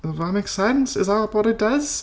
Does that make sense? Is that what it does?